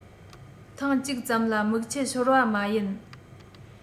ཐེངས གཅིག ཙམ ལ མིག ཆུ ཤོར བ མ ཡིན